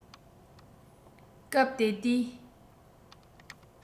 སྐབས དེ དུས